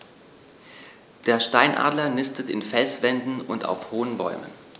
Der Steinadler nistet in Felswänden und auf hohen Bäumen.